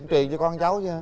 truyền cho con cháu chớ